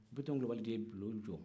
bitɔn kulibali de ye bulon jɔ